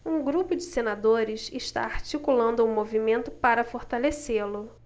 um grupo de senadores está articulando um movimento para fortalecê-lo